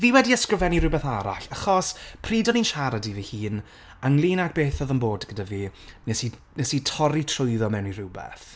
fi wedi ysgrifennu rhywbeth arall, achos, pryd o'n i'n siarad i fy hun, ynglŷn a beth odd yn bod gyda fi, wnes i wnes i torri trwyddo mewn i rywbeth.